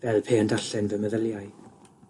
fel pe yn darllen fy meddyliai.